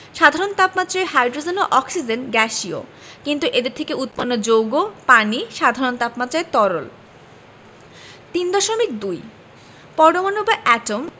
সাধারণ তাপমাত্রায় হাইড্রোজেন ও অক্সিজেন গ্যাসীয় কিন্তু এদের থেকে উৎপন্ন যৌগ পানি সাধারণ তাপমাত্রায় তরল 3.2 পরমাণু বা এটম